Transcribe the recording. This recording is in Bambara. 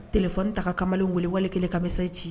T fɔ ne ta ka kamalen welewale kelen kami se ci